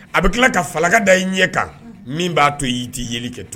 A bɛ tila ka fangaka da i ɲɛ kan min b'a to y' tɛ yeli kɛ to